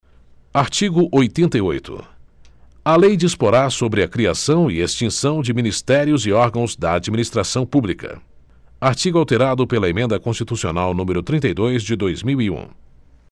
artigo oitenta e oito a lei disporá sobre a criação e extinção de ministérios e órgãos da administração pública artigo alterado pela emenda constitucional número trinta e dois de dois mil e um